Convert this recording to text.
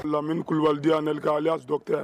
Lamini kubali' nelika a y'a dɔn kɛ